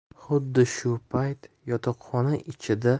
xuddi shu payt yotoqxona ichida